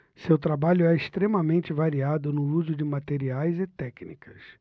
seu trabalho é extremamente variado no uso de materiais e técnicas